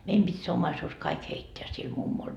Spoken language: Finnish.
meidän piti se omaisuus kaikki heittää sille mummolle